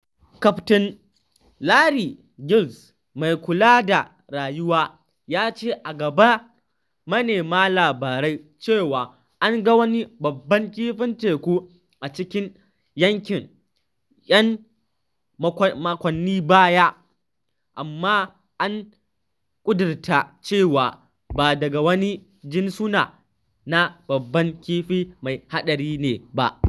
Kaftin Larry Giles mai kula da rayuwa ya ce a gaban manema labarai cewa an ga wani babban kifin teku a cikin yankin ‘yan makonni baya, amma an ƙudurta cewa ba daga wani jinsuna na babban kifi mai haɗari ne ba.